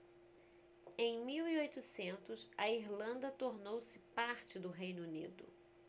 em mil e oitocentos a irlanda tornou-se parte do reino unido